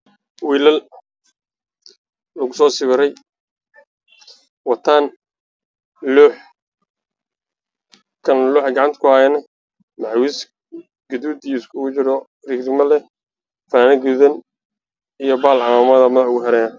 Waa wiil loox cashar ku qorayo